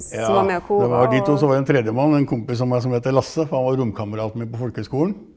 ja det var de to, så var det en tredjemann en kompis av meg som heter Lasse for han var romkameraten mi på folkehøyskolen.